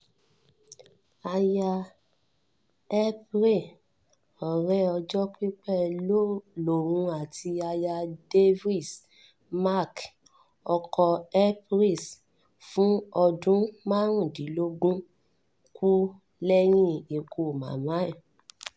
Aya Humphreys, ọ̀rẹ́ ọjọ́ pípẹ́ lòun àti Aya Davies. Mark, ọkọ Humphreys fún ọdún 15, kú lẹ́yìn ikú màmá ẹ̀.